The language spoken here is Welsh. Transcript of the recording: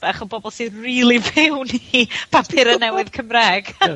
bach o bobol sydd rili fewn i papura' newydd Cymreg.